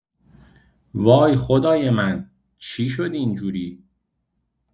وای خدای من چی شد اینجوری؟